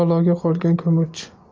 baloga qolgan ko'mirchi